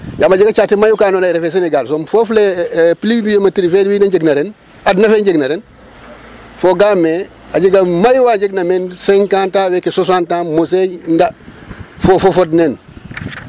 Yaam a jega caate mayu ka andoona yeee refe Senegal soom foof le pluiviométrie fe wiin we njegna ren adna fe i njegna ren foogaam ee a jega mayu wa njegna meen 50 ans weeke 60 ans mosee nga' foof fo fod neen.